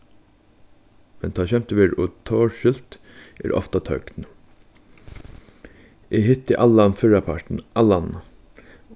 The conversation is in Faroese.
men tá skemtið verður ov torskilt er ofta tøgn eg hitti allan fyrrapartin allan